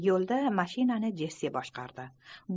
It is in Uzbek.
yo'lda mashinani jessi boshqardi